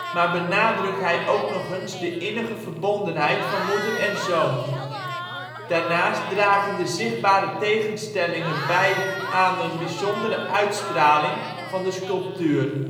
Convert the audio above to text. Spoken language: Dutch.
maar benadrukt hij ook nog eens de innige verbondenheid van moeder en zoon. Daarnaast dragen de zichtbare tegenstellingen bij aan een bijzondere uitstraling van de sculptuur